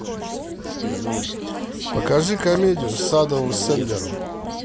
покажи комедию с адамом сэндлером